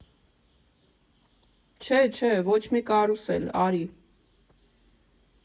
֊ Չէ չէ, ոչ մի կարուսել, արի։